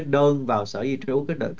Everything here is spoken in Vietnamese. đơn vào sở di trú kết luận